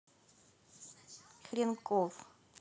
хренков